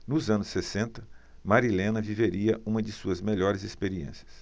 nos anos sessenta marilena viveria uma de suas melhores experiências